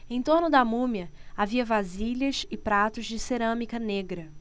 em torno da múmia havia vasilhas e pratos de cerâmica negra